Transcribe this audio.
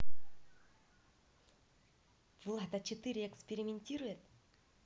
влад а четыре экспериментирует